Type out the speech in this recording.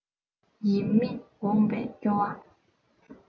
ཡིད མི འོང པས སྐྱོ བ